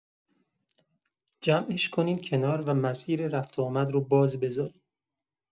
جمعش کنین کنار و مسیر رفت‌وآمد رو باز بذارین.